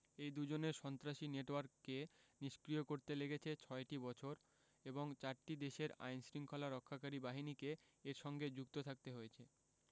এই দুজনের সন্ত্রাসী নেটওয়ার্ককে নিষ্ক্রিয় করতে লেগেছে ছয়টি বছর এবং চারটি দেশের আইনশৃঙ্খলা রক্ষাকারী বাহিনীকে এর সঙ্গে যুক্ত থাকতে হয়েছে